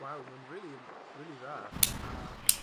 Waw ma'n rili yym rili dda, a